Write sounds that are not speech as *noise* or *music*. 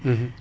*hesitation* *hesitation*